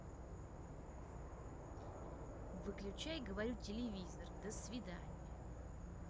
выключай говорю телевизор до свидания